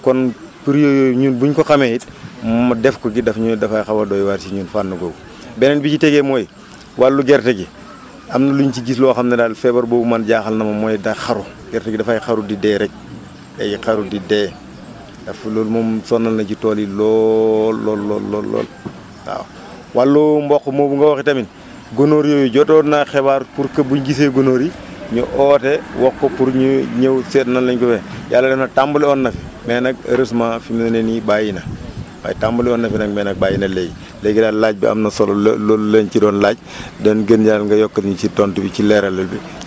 kon prix yooyu ñun bu ñu ko xamee it ma def ko ji daf ñuy dafay xaw a doy waar ci ñun fànn googu beneen bi ci tege mooy wàllu gerte gi am na lu ñu ci gis loo xam ne daal feebar boobu man jaaxal na ma mooy daa xaru gerte gi dafay xaru di dee rek day xaru di dee daf loolu moom sonal na ci tool yi lool lool lool lool waaw wàllum mboq moomu nga wax itam gunóor yooyu jotoon naa xibaar pour que buñ gisee gunóor yi ñi oote wax ko pour ñu ñu ñëw seet nan lañ ko * yàlla def na tàmbali woon na fi mais nag heureusement fi mu ne nii bàyyi na waaye tàmbali woon na fi ren mais nag bàyyi na léegi léegi daal laaj bi am na solo lo lo lañ ci doon laaj di leen gën ñaax nga yokkal ñu ci tontu bi ci leeralal bi